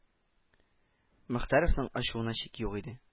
Мохтаровның ачуына чик юк иде